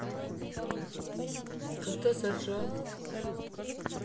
когда заржал